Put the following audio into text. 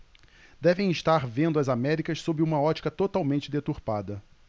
devem estar vendo as américas sob uma ótica totalmente deturpada